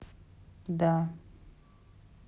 да